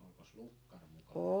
no olikos lukkari mukana